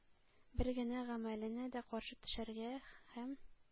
Бер генә гамәленә дә каршы төшәргә һәм